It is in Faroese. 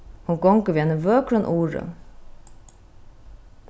hon gongur við einum vøkrum uri